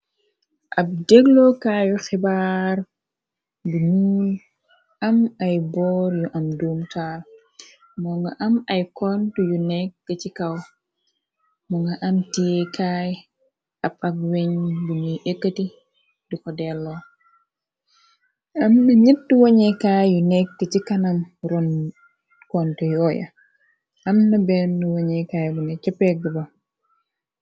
Ab jëglookaayu xibaar bu nuuy am ay boor yu am doum taar mo nga am ay kont yu nekk ci kaw moo nga amtiye kaay ab ak weñ buñuy ekkati di ko delloo am na nett woñekaay yu nekk ci kanam ron kont yooya amna benn weñekaay bu nekca pegg ba.